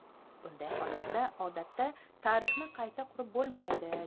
bunday hollarda odatda tarixni qayta qurib bo'lmaydi